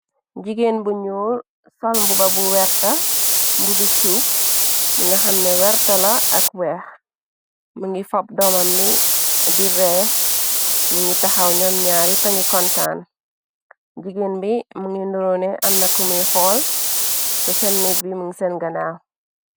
jigeen bu ñuo solmbu ba bu werta mbu bi cuup mi nga xamne wertala ak weex mi ngi fob doomam bi di reex ni ngi taxaw ñoom ñaari pa ngi kontaan jigéen bi mi ngi ndurone amna kumuy xool te sen nigri mungi seen ganaaw